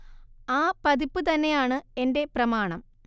ആ പതിപ്പ് തന്നെയാണ് എന്റെ പ്രമാണം